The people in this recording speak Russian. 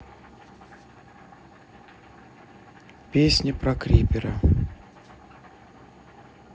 песня про крипера